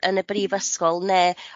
yn y brifysgol ne'